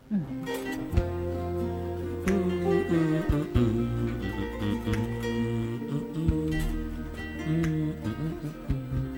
Sokɛ sokɛ faama wa